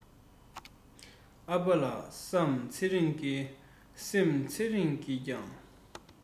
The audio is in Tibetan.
ཨ ཕ ལ བསམ ཚེ རང གི སེམས ཚེ རིང གིས ཀྱང